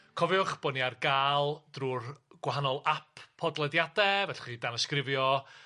cofiwch bo' ni ar ga'l drw'r gwahanol ap podlediade, fe alle chi danysgrifio